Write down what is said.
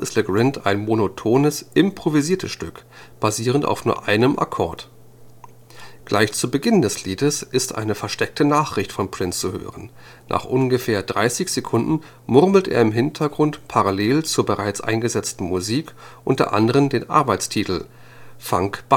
Le Grind ein monotones improvisiertes Stück, basierend auf nur einem Akkord. Gleich zu Beginn des Liedes ist eine versteckte Nachricht von Prince zu hören; nach ungefähr 30 Sekunden murmelt er im Hintergrund, parallel zur bereits eingesetzten Musik, unter anderem den Arbeitstitel Funk